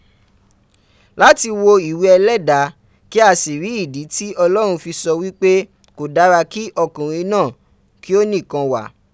Lati wo iwe eleda ki a si ri idi ti Olorun fi so wipe 'Ko dara ki okunrin naa ki o nikan wa'